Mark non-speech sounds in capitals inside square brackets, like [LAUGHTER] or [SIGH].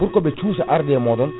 pour que ɓr cuusa arde e moɗon [NOISE]